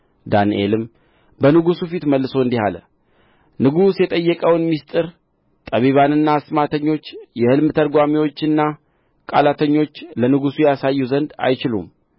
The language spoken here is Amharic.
ዳንኤልም በንጉሡ ፊት መልሶ እንዲህ አለ ንጉሡ የጠየቀውን ምሥጢር ጠቢባንና አስማተኞች የሕልም ተርጓሚዎችና ቃላተኞች ለንጉሡ ያሳዩ ዘንድ አይችሉም